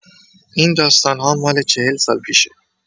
این داستان‌ها مال ۴۰ سال پیشه.